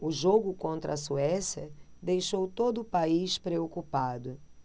o jogo contra a suécia deixou todo o país preocupado